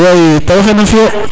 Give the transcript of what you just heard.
oui tewoxe nam fiyo